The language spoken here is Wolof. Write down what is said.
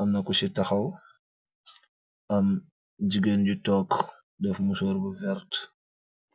Amna kusi takhaw, am jigen ju tog, def musorr bu verte.